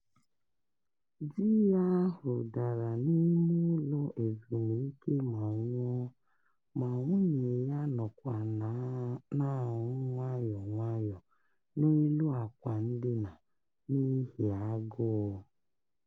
Di ya ahụ dara n'imeụlọ ezumike ma nwụọ, ma nwunye ya nọkwa na-anwụ nwayọọ nwayọọ n'elu àkwà ndina n'ihi agụụ.